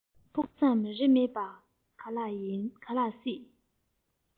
ཕུགས བསམ རེ མེད པ ག ལ སྲིད